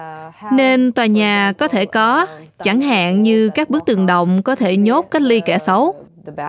nên tòa nhà có thể có chẳng hạn như các bức tượng đồng có thể nhốt cách ly kẻ xấu